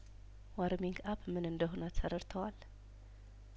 ዎር ሚንግ አፕምን እንደሆነም ተረድተዋል